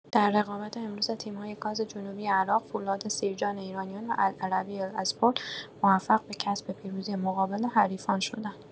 در رقابت‌های امروز تیم‌های گاز جنوبی عراق، فولاد سیرجان ایرانیان، و العربی اسپورت موفق به کسب پیروزی مقابل حریفان شدند.